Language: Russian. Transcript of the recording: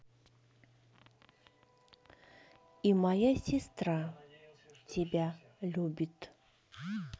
и моя сестра тебя любит